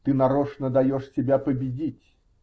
Ты нарочно даешь себя победить.